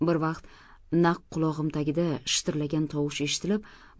bir vaqt naq qulog'im tagida shitirlagan tovush eshitilib